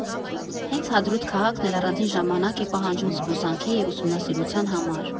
Հենց Հադրութ քաղաքն էլ առաձին ժամանակ է պահանջում զբոսանքի և ուսումնասիրության համար։